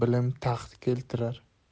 bilim taxt keltirar